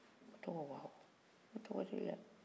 ko tɔgɔ wa ko tɔgɔ t'e la